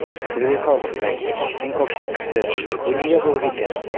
Зөләйха абыстай, син карчык кеше, бу нигә булыр икән?